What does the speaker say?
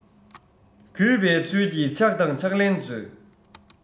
གུས པའི ཚུལ གྱིས ཕྱག དང ཕྱག ལན མཛོད